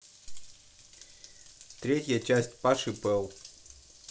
третья часть паши пэл